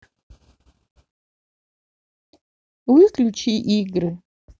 выключи игры